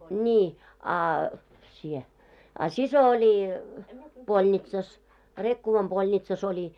niin a sinä a sisko oli polnitsassa Rekkovan polnitsassa oli